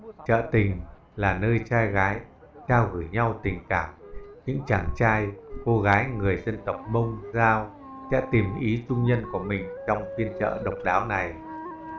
chợ tình là nơi trai gái trao gửi tình cảm những chàng trai cô gái người dân tộc mông dao sẽ tìm ý trung nhân của mình trong phiên chợ độc đáo này